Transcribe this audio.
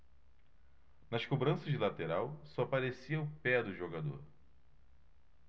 nas cobranças de lateral só aparecia o pé do jogador